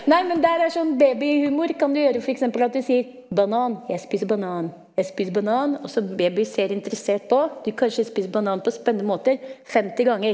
nei men der det er sånn babyhumor kan du gjøre f.eks. at du sier banan jeg spiser banan, jeg spiser banan, også baby ser interessert på du kanskje spiser banan på spennende måter 50 ganger.